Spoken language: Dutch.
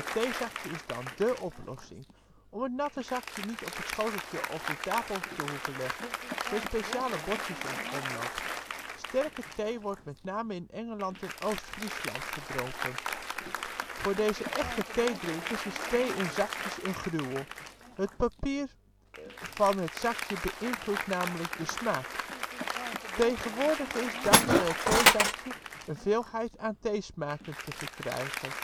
theezakje is dan dé oplossing. Om het natte zakje niet op het schoteltje of de tafel te hoeven leggen, zijn speciale bordjes in omloop. Sterke thee wordt met name in Engeland en Oost-Friesland gedronken. Voor deze echte theedrinkers is thee in zakjes een gruwel. Het papier van het zakje beïnvloed namelijk de smaak. Tegewoordig is, danzij het theezakje, een veelheid aan theesmaken te verkrijgen